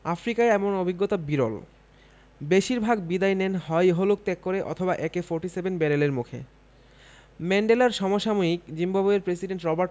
বেশির ভাগ বিদায় নেন হয় ইহলোক ত্যাগ করে অথবা একে ফোরটিসেভেন ব্যারেলের মুখে ম্যান্ডেলার সমসাময়িক জিম্বাবুয়ের প্রেসিডেন্ট রবার্ট